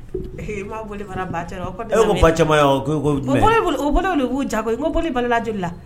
Ee ma boli fana ba camanma bolo'u jago ko boli balila jolila